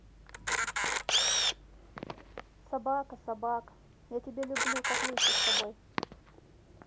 собака собак я тебе люблю как выйти с тобой